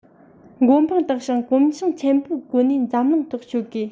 མགོ འཕང བཏེགས ཤིང གོམ ཞེང ཆེན པོའི སྒོ ནས འཛམ གླིང ཐོག བསྐྱོད དགོས